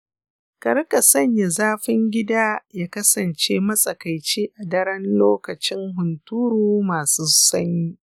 ka riƙa sanya zafin gida ya kasance matsakaici a daren lokacin hunturu masu sanyi.